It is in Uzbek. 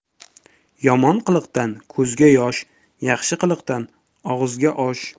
yomon qiliqdan ko'zga yosh yaxshi qihqdan og'izga osh